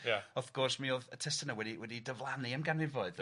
Wrth gwrs mi o'dd y testuna wedi wedi diflannu am ganrifoedd... Ia...